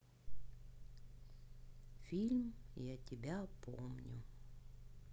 фильм я тебя помню